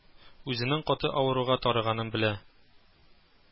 Үзенең каты авыруга тарыганын белә